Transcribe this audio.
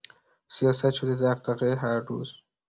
سیاست شده دغدغه هر روز.